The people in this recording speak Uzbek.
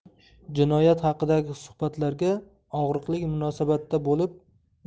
jinoyat haqidagi suhbatlarga og'riqli munosabatda bo'lib